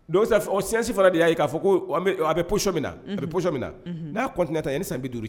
Don o sisi fana y'a ye k'a fɔ ko a bɛsɔ minna na a bɛsɔ minna na n'a kɔn tɛ ta ye san bɛ duuru